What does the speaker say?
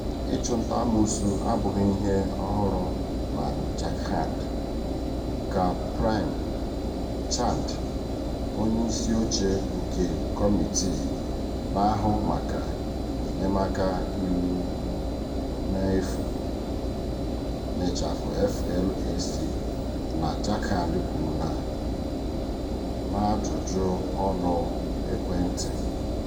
Ịchụnta amoosu abụghị ihe ọhụrụ na Jharkhand, ka Prem Chand, Onyeisioche nke Kọmitii Na-ahụ Maka Enyemaka Iwu N'efu (FLAC) na Jharkhand kwuru na n'ajụjụ ọnụ ekwentị.